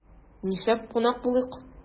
Нишләп кулак булыйк?